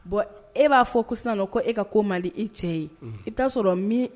E b'a fɔ ko ko e ka ko mali i cɛ ye i t' sɔrɔ